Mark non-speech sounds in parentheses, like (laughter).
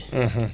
(hesitation) (hesitation)